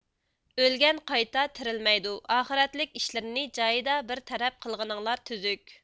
ئۆلگەن قايتا تىرىلمەيدۇ ئاخىرەتلىك ئىشلىرىنى جايىدا بىرتەرەپ قىلغىنىڭلار تۈزۈك